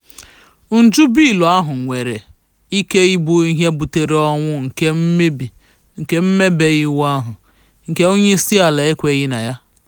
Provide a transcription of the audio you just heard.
Njụ bịịlụ ahụ nwere ike ịbụ ihe butere ọnwụ nke mmebe iwu ahu — nke onyeisiala ekweghị na ya.